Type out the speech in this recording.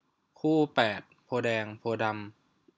คู่แปดโพธิ์แดงโพธิ์ดำ